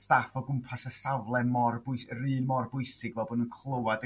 staff o gwmpas y safle mor bwys- yr un mod bwysig fel bo n'w'n clwad y